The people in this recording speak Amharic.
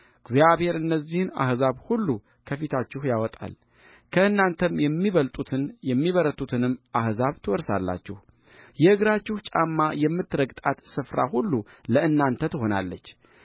እግዚአብሔር እነዚህን አሕዛብ ሁሉ ከፊታችሁ ያወጣል ከእናንተም የሚበልጡትን የሚበረቱትንም አሕዛብ ትወርሳላችሁየእግራችሁ ጫማ የምትረግጣት ስፍራ ሁሉ ለእናንተ ትሆናለች